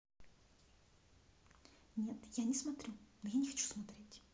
нет я не смотрю но я не хочу смотреть